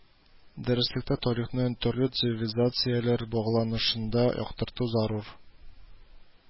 Дәреслектә тарихны төрле цивилизацияләр багланышында яктырту зарур